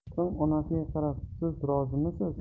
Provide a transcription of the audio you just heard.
so'ng onasiga qarab siz rozimisiz